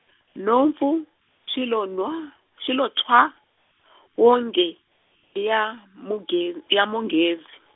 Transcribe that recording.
nhompfu, xi lo no, xilo thwaa , wonge, i ya, mugen-, i ya munghezi.